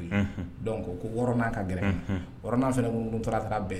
Koɔrɔn ka gɛrɛɔrɔn fana ŋunu taara bɛɛ